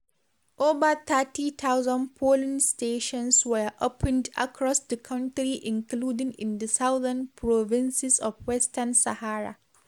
Over 30,000 polling stations were opened across the country including in the southern provinces of Western Sahara.